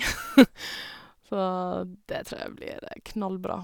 Så det tror jeg blir knallbra.